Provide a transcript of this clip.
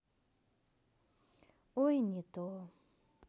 ой не то